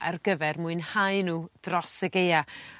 ar gyfer mwynhau n'w dros y Gaea